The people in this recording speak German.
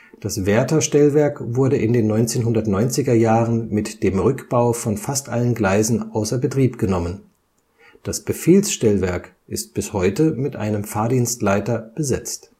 Das Wärterstellwerk wurde in den 1990er Jahren mit dem Rückbau von fast allen Gleisen außer Betrieb genommen. Das Befehlsstellwerk ist bis heute mit einem Fahrdienstleiter besetzt